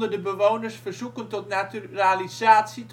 de bewoners verzoeken tot naturalisatie